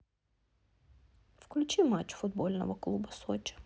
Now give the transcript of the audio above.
включи матч футбольного клуба сочи